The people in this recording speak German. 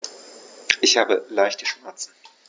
Ich habe leichte Schmerzen.